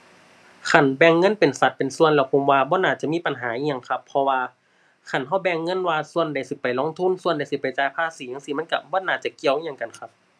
คันแบ่งเงินเป็นสัดเป็นส่วนแล้ว ผมว่าบ่น่าจะมีปัญหาอิหยังครับ เพราะว่าคันเราแบ่งเงินว่าส่วนใดสิไปลงทุน ส่วนใดสิไปจ่ายภาษีจั่งซี้ มันเราบ่น่าจะเกี่ยวอิหยังกันครับ